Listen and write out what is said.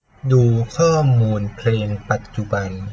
ดูข้อมูลเพลงปัจจุบัน